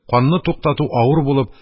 Канны туктату авыр булып,